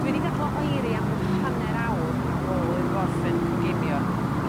Dwi 'di gadal o oeri am ryw hanner awr ar ôl iddo fo orffen coginio. a